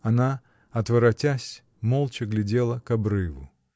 Она, отворотясь, молча глядела к обрыву.